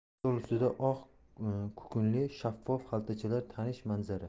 stol ustida oq kukunli shaffof xaltachalar tanish manzara